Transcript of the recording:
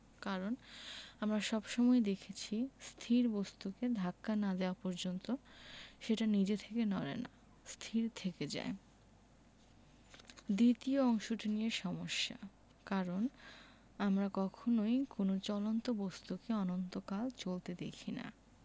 কারণ আমরা সব সময়ই দেখেছি স্থির বস্তুকে ধাক্কা না দেওয়া পর্যন্ত সেটা নিজে থেকে নড়ে না স্থির থেকে যায় দ্বিতীয় অংশটি নিয়ে সমস্যা কারণ আমরা কখনোই কোনো চলন্ত বস্তুকে অনন্তকাল চলতে দেখি না